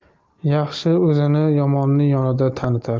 yaxshi o'zini yomonning yonida tanitar